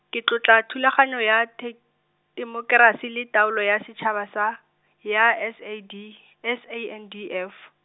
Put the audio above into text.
ke tlotla thulaganyo ya te-, temokerasi le taolo ya setshaba sa, ya S A D, S A N D F.